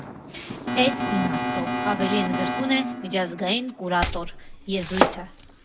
Էդ իմաստով ավելի ընդգրկուն է միջազգային «կուրատոր» եզրույթը։